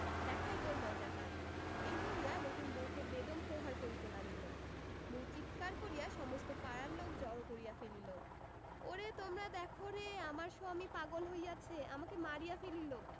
দেখাই তোর মজাটা এই বলিয়া রহিম বউকে বেদম প্রহার করিতে লাগিল বউ চিৎকার করিয়া সমস্ত পাড়ার লোক জড় করিয়া ফেলিল ওরে তোমরা দেখরে আমার সোয়ামী পাগল হইয়াছে আমাকে মারিয়া ফেলিল